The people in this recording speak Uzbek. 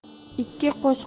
ikki qo'chqor urishar